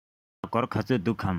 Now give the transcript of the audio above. ཁོ ལ སྒོར ག ཚོད འདུག གམ